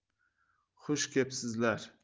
xush kepsizlar